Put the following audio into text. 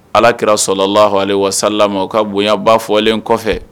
Ala Kira Salalahu alehi wasalamu o ka bonyaba fɔlen kɔfɛ